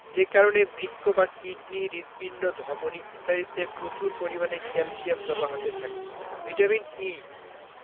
যে কারণে বৃক্ক বা কিডনি হৃৎপিণ্ড ধমনি ইত্যাদিতে প্রচুর পরিমাণে ক্যালসিয়াম জমা হতে থাকে ভিটামিন ই